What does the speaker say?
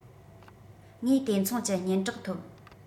ངས དེ མཚུངས ཀྱི སྙན གྲགས ཐོབ